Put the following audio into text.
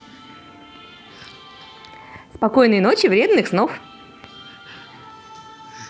спокойной ночи вредных снов